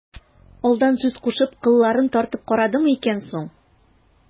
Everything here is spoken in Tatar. Алдан сүз кушып, кылларын тартып карадымы икән соң...